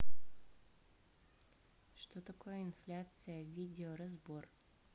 что такое инфляция видеоразбор